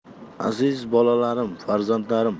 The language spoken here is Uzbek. aziz bolalarim farzandlarim